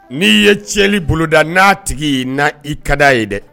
N'i ye tiɲɛni boloda n'a tigi ye na i kad'a ye dɛ